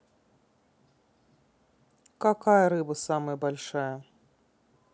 какая рыба самая большая